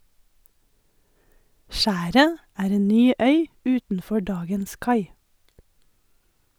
Skjæret er en ny øy utenfor dagens kai.